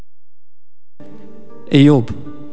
ايوب